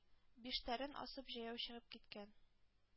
Биштәрен асып, җәяү чыгып киткән.